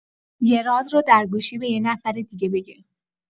یه راز رو درگوشی به یه نفر دیگه بگه.